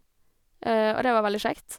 Og det var veldig kjekt.